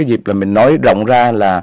dịp là mình nói rộng ra là